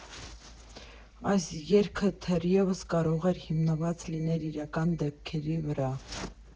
Այս երգը թերևս կարող էր հիմնված լինել իրական դեպքերի վրա։